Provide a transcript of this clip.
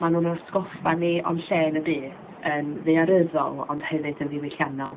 Maen nhw'n ein atgoffa ni o'n lle yn y byd yn ddaearyddol, ond hefyd yn ddiwylliannol.